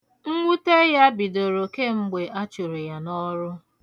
Nnwute ya bidoro kemgbe achụrụ ya n'ọrụ.